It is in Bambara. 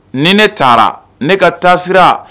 Ni ne taara ne ka taasira